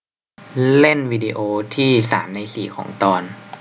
เล่นวีดิโอที่สามในสี่ของตอน